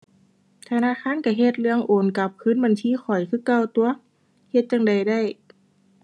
ธนาคารก็เฮ็ดเรื่องโอนกลับคืนบัญชีข้อยคือเก่าตั่ว เฮ็ดจั่งใดได้